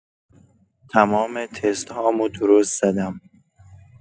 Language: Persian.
تمام تست‌هامو درست زدم